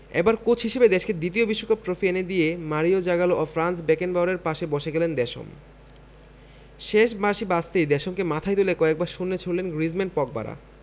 এবার কোচ হিসেবে দেশকে দ্বিতীয় বিশ্বকাপ ট্রফি এনে দিয়ে মারিও জাগালো ও ফ্রাঞ্জ বেকেনবাওয়ারের পাশে বসে গেলেন দেশম শেষ বাঁশি বাজতেই দেশমকে মাথায় তুলে কয়েকবার শূন্যে ছুড়লেন গ্রিজমান পগবারা